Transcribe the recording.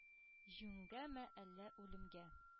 Җиңүгәме әллә үлемгә?